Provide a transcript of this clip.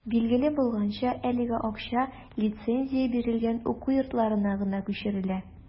Билгеле булганча, әлеге акча лицензия бирелгән уку йортларына гына күчерелә.